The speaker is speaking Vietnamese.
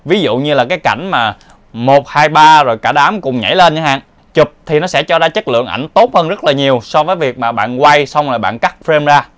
ví dụ như cảnh rồi cả đám cùng nhảy lên chẳng hạn chụp thì sẽ cho ra chất lượng ảnh tốt hơn rất là nhiều so với việc bạn quay rồi bạn cắt frame ra